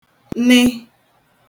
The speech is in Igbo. nị